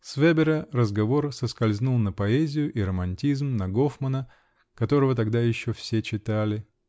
С Вебера разговор соскользнул на поэзию и романтизм, на Гофмана, которого тогда еще все читали.